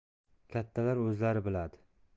kattalar o'zlari biladi